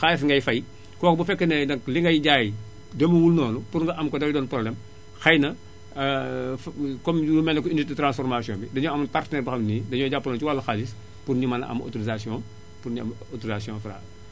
xaalis ngay fay kooku bu fekkee ne nag li ngay jaay demewul noonu pour nga am ko day doon problème xay na comme lu mel ni que unité de transformation bi dañoo am partenanire boo xam ne dañoo jàppale woon si wàllu xaalis pour ñu mën a am autorisation pour ñu am autorisation Fra